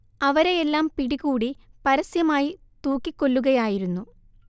അവരെയെല്ലാം പിടികൂടി പരസ്യമായി തൂക്കിക്കൊല്ലുകയായിരുന്നു